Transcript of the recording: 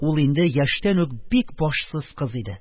Ул инде яшьтән үк бик башсыз кыз иде: